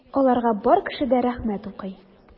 Аларга бар кеше дә рәхмәт укый.